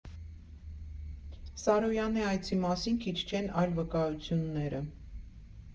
Սարոյանի այցի մասին քիչ չեն այլ վկայությունները։